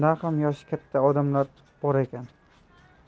ham yoshi katta odamlar bor ekan